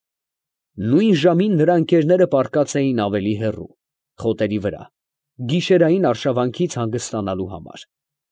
Նույն ժամուն նրա ընկերները պառկած էին ավելի հեռու, խոտերի վրա, գիշերային արշավանքից հանգստանալու համար։